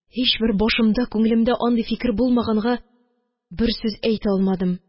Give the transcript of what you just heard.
Һичбер башымда, күңелемдә андый фикер булмаганга, бер сүз әйтә алмадым.